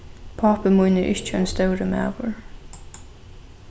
pápi mín er ikki ein stórur maður